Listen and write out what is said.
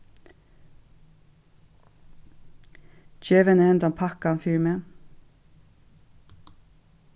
gev henni henda pakkan fyri meg